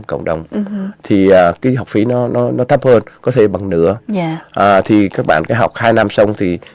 cộng đồng thì cái học phí nó nó nó thấp hơn có thể bằng nửa ở thì các bạn phải học hai năm xong thì